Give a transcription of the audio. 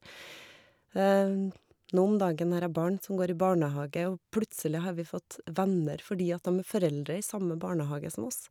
Nå om dagen har jeg barn som går i barnehage, og plutselig har vi fått venner fordi at dem er foreldre i samme barnehage som oss.